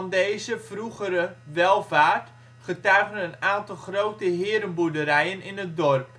deze - vroegere - welvaart getuigen een aantal grote herenboerderijen in het dorp